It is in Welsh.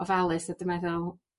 ofalus a dwi meddwl